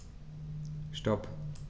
Stop.